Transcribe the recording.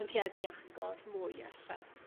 yn tueddi agor mwy e'lle.